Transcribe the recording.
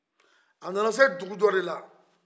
a nana se dugu dɔ de la